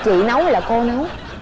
chị nấu hay là cô nấu